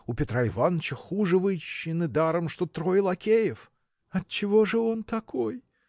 У Петра Иваныча хуже вычищены, даром что трое лакеев. – Отчего же он такой?